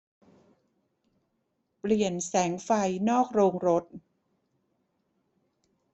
เปลี่ยนแสงไฟนอกโรงรถ